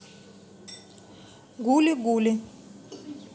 гули гули